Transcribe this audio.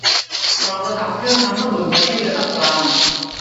ปรับระดับเครื่องทำน้ำอุ่นไปที่ระดับกลาง